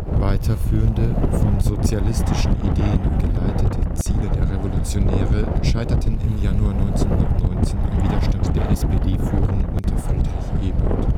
Weiterführende, von sozialistischen Ideen geleitete Ziele der Revolutionäre scheiterten im Januar 1919 am Widerstand der SPD-Führung unter Friedrich Ebert